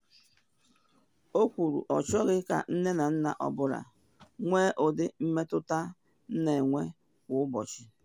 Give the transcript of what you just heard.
O kwuru “achọghị m ka nne na nna ọ bụla nwee ụdị mmetụta m na enwe kwa ụbọchị,”.